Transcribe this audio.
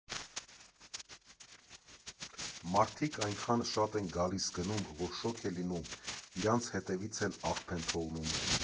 Մարդիկ այնքան շատ են գալիս֊գնում, որ շոգ է լինում, իրենց հետևից էլ աղբ են թողնում։